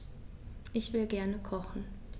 Ich will gerne kochen.